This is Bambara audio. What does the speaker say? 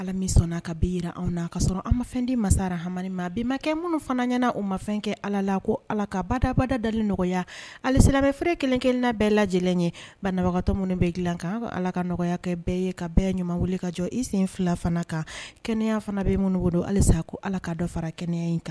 Ala sɔnna ka yira an na kaa sɔrɔ a madi masara ha bibakɛ minnu fana ɲɛnaana u mafɛn kɛ ala la ko ala ka badabada dali nɔgɔya alese bɛ feereere kelenkelenna bɛɛ lajɛ lajɛlen ye banabagatɔ minnu bɛ dilan kan ka ala ka nɔgɔya kɛ bɛɛ ye ka bɛɛ ɲuman ka jɔ i sen fila fana kan kɛnɛya fana bɛ minnu don halisa ko ala ka dɔ fara kɛnɛ in kan